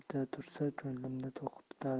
tursa ko'nglimni to'q tutardim